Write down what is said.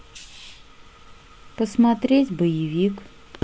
посмотреть боевик